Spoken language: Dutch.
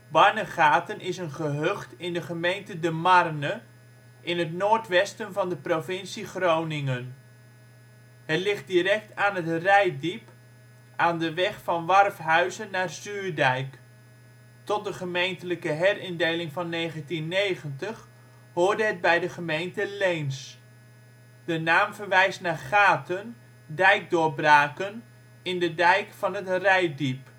Barnegaten is een gehucht in de gemeente De Marne in het noordwesten van de provincie Groningen. Het ligt direct aan het Reitdiep aan de weg van Warfhuizen naar Zuurdijk. Tot de gemeentelijke herindeling van 1990 hoorde het bij de gemeente Leens. De naam verwijst naar gaten (dijkdoorbraken) in de dijk van het Reitdiep